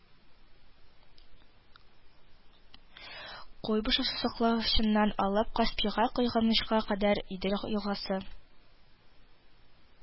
Куйбышев сусаклагычыннан алып Каспийга койганчыга кадәр Идел елгасы